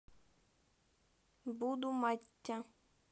буду маття